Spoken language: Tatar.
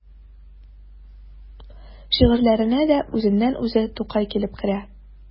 Шигырьләренә дә үзеннән-үзе Тукай килеп керә.